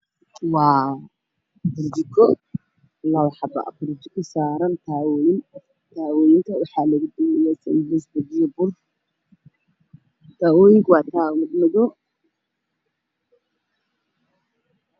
Waajiko waxaa ka shidan dab waxaa saaran dugsiyaal saliid ayaa ku shuban waxaa lagu dabayaa sambuus sakaal buluug ayaa hoos yaalo